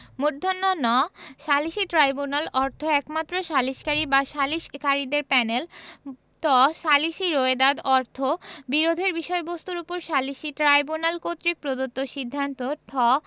ণ সালিসী ট্রাইব্যুনাল অর্থ একমাত্র সালিসকারী বা সালিসকারীদের প্যানেল ত সালিসী রোয়েদাদ অর্থ বিরোধের বিষয়বস্তুর উপর সালিসী ট্রাইব্যুনাল কর্তৃক প্রদত্ত সিদ্ধান্ত থ